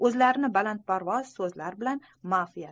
o'zlarini balandparvoz so'zlar bilan mafiya